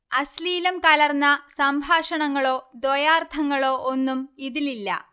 അശ്ലീലം കലർന്ന സംഭാഷങ്ങളോ ദ്വയാർത്ഥങ്ങളോ ഒന്നും ഇതിലില്ല